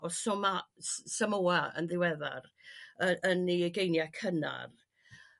o Soma- s- s- Samoa yn ddiweddar yrr yn ei ugeiniau cynnar